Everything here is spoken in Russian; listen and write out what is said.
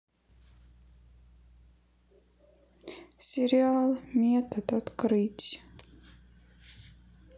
сериал метод открыть